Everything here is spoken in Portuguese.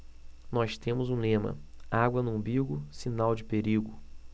nós temos um lema água no umbigo sinal de perigo